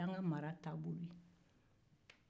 o y'an ka mara taabolo ye